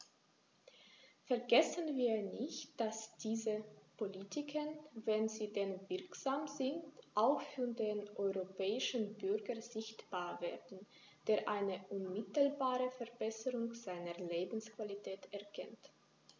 Vergessen wir nicht, dass diese Politiken, wenn sie denn wirksam sind, auch für den europäischen Bürger sichtbar werden, der eine unmittelbare Verbesserung seiner Lebensqualität erkennt!